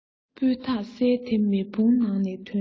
སྤུས དག གསེར དེ མེ དཔུང ནང ནས ཐོན